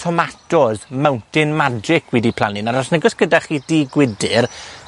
tomatos Mountain Magic wi 'di plannu, nawr os nag o's gyda chi dŷ gwydyr,